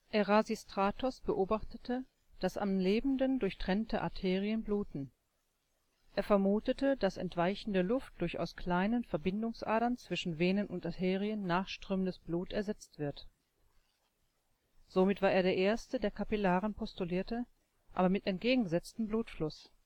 Erasistratos beobachtete, dass am Lebenden durchtrennte Arterien bluten. Er vermutete, dass entweichende Luft durch aus kleinen Verbindungsadern zwischen Venen und Arterien nachströmendes Blut ersetzt wird. Somit war er der erste, der Kapillaren postulierte, aber mit entgegengesetztem Blutfluss